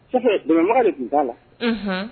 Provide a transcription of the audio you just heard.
Sabula bamakɔbaga de tun t'a la